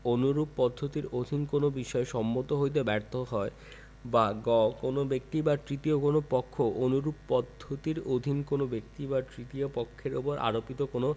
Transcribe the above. অনুরূপ পদ্ধতির অধীন কোন বিষয়ে সম্মত হইতে ব্যর্থ হয় বা গ কোন ব্যীক্ত বা তৃতীয় কোন পক্ষ অনুরূপ পদ্ধতির অধীন উক্ত ব্যক্তি বা তৃতীয় পক্ষের উপর আরোপিত কোন